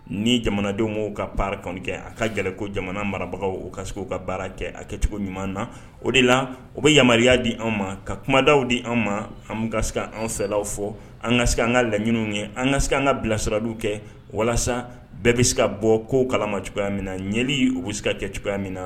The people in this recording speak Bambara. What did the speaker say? Ni jamanadenw' ka pakan kɛ a ka jeli ko jamana marabagaw o kasi se u ka baara kɛ a kɛcogo ɲuman na o de la o bɛ yamaruya di an ma ka kumada di an ma an ka an fɛlaw fɔ an ka se an ka laɲiniw kɛ an ka se an ka bilasiraraliw kɛ walasa bɛɛ bɛ se ka bɔ ko kalama cogoyaya min na ɲɛli u bɛ se ka kɛ cogoya min na